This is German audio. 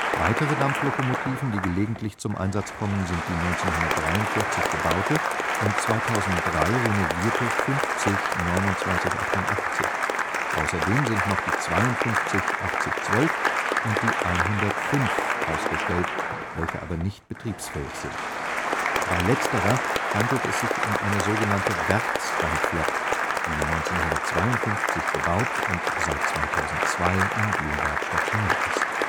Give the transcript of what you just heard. Weitere Dampflokomotiven, die gelegentlich zum Einsatz kommen, sind die 1943 gebaute und 2003 renovierte 50 2988. Außerdem sind noch die 52 8012 und die 105 ausgestellt, welche aber nicht betriebsfähig sind. Bei Letzterer handelt es sich um eine so genannte „ Werksdampflok “, die 1952 gebaut und seit 2002 in Blumberg stationiert ist